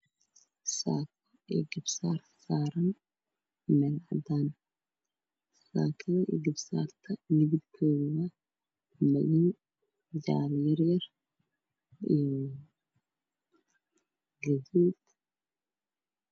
Saako io garbasaar saaran meel cad garbasaarka midabkoodu waa madow jaale yar yar io gaduud